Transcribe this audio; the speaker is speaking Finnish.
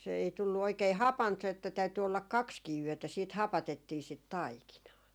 se ei tullut oikein hapanta se että täytyi olla kaksikin yötä sitten hapatettiin sitä taikinaa